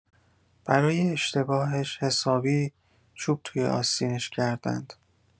برای اشتباهش حسابی چوب توی آستینش کردند.